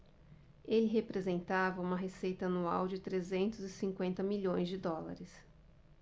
ele representava uma receita anual de trezentos e cinquenta milhões de dólares